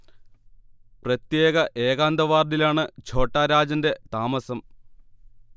പ്രത്യേക ഏകാന്ത വാർഡിലാണ് ഛോട്ടാ രാജന്റെ താമസം